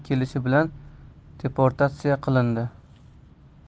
kelishi bilan deportatsiya qilindi